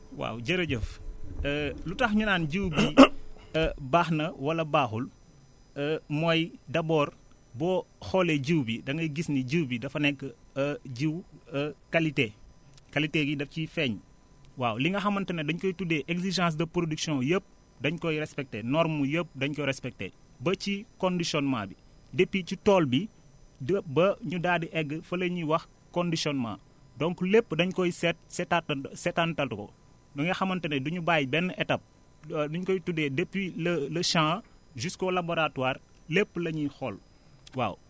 waaw jërëjëf lu tax ñu naan jiw bii baax na wala baaxul mooy d' abord boo xoolee jiw bi da ngay gis ni jiw bi dafa nekk jiw qualité qualité gi daf ciy feeñ waaw li nga xamante ne dañ koy tuddee exigenace de production yëpp dañ koy respecté normes yëpp dañ ko respecté ba ci conditionnement bi depuis ci tool bi de ba ñu daal di egg fële ñu wax conditionnement donc lépp dañ koy seet seetaatal seetaatal ko bi nga xamante ne du ñu bàyyi benn étape nu ñu koy tuddee depuis le le champs jusqu' au laboratoir lépp la ñuy xool waaw